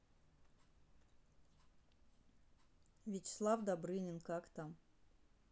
вячеслав добрынин как там